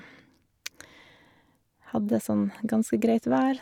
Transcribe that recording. Hadde sånn ganske greit vær.